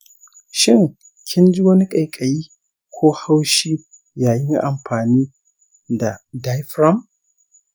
shin kin ji wani ƙaiƙayi ko haushi yayin anfani da diaphragm?